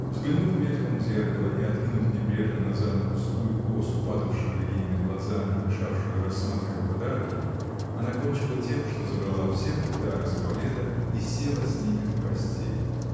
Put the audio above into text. Взглянув мельком в зеркало и откинув небрежно назад густую косу, падавшую ей на глаза и мешавшую рассматривать подарки, она кончила тем, что забрала все футляры с туалета и села с ними в постель.